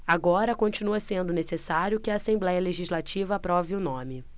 agora continua sendo necessário que a assembléia legislativa aprove o nome